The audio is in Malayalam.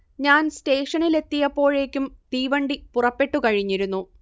ഞാൻ സ്റ്റേഷനിലെത്തിയപ്പോഴേക്കും തീവണ്ടി പുറപ്പെട്ടു കഴിഞ്ഞിരുന്നു